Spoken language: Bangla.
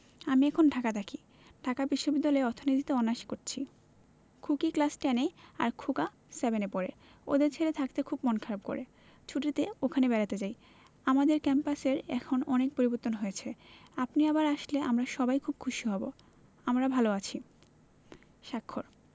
আমি এখন ঢাকা থাকি ঢাকা বিশ্ববিদ্যালয়ে অর্থনীতিতে অনার্স পরছি খুকি ক্লাস টেন এ আর খোকা সেভেন এ পড়ে ওদের ছেড়ে থাকতে খুব মন খারাপ করে ছুটিতে ওখানে বেড়াতে যাই আমাদের ক্যাম্পাসের এখন অনেক পরিবর্তন হয়েছে আপনি আবার আসলে আমরা সবাই খুব খুশি হব আমরা ভালো আছি স্বাক্ষর